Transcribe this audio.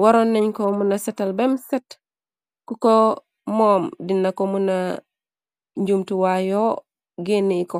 waroon nañ ko muna setal bem set . Ku ko moom dina ko muna njumtu waayoo genneh ko